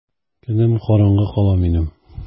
Көнем караңгы кала минем!